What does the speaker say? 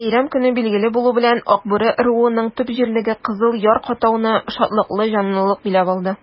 Бәйрәм көне билгеле булу белән, Акбүре ыруының төп җирлеге Кызыл Яр-катауны шатлыклы җанлылык биләп алды.